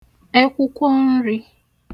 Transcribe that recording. ẹkwụkwọ nrī